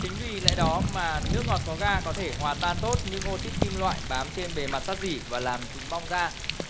chính vì lẽ đó mà nước ngọt có ga có thể hòa tan tốt những ô xít kim loại bám trên bề mặt sắt gỉ và làm chúng bong ra